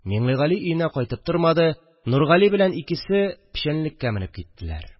Миңлегали өенә кайтып тормады – Нургали белән икесе печәнлеккә менеп киттеләр